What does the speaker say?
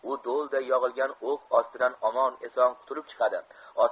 u do'lday yog'ilgan o'q ostidan omon eson qutulib chiqadi